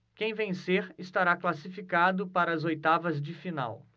quem vencer estará classificado para as oitavas de final